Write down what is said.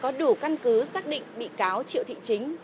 có đủ căn cứ xác định bị cáo triệu thị chính